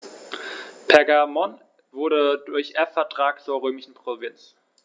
Pergamon wurde durch Erbvertrag zur römischen Provinz.